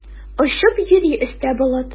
Очып йөри өстә болыт.